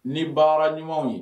Ni baara ɲumanw ye